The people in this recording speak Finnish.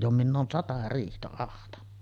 jo minä olen sata riihtä ahtanut